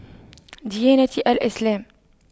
ديانتي الإسلام